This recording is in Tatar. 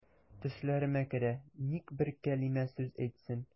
Төшләремә керә, ник бер кәлимә сүз әйтсен.